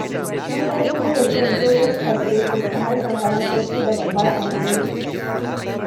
Mun ƙaddamar da shirin 'Toujours Pas Sages' a harshen Faransanci da Bambara a Manemo.